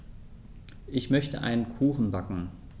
Ich möchte einen Kuchen backen.